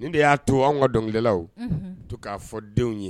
Ne de y'a to an ka dɔnkilikɛlawlaw to k'a fɔ denw ye